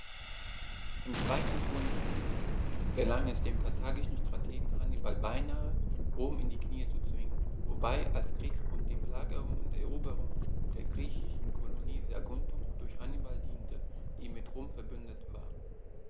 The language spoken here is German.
Im Zweiten Punischen Krieg gelang es dem karthagischen Strategen Hannibal beinahe, Rom in die Knie zu zwingen, wobei als Kriegsgrund die Belagerung und Eroberung der griechischen Kolonie Saguntum durch Hannibal diente, die mit Rom „verbündet“ war.